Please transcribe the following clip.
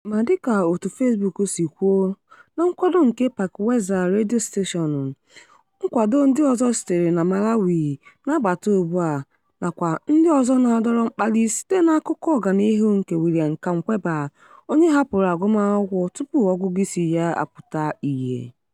Ma dịka òtù Facebook si kwuo "na nkwado nke Pachikweza Radio Station", nkwado ndị ọzọ sitere na Malawi na-abata ugbua, nakwa ndị ọzọ na-adọrọ mkpali site n'akụkọ ọganihu nke William Kamkwamba, onye hapụrụ agụmakwụkwọ tupu ọgụgụisi ya apụta ihe.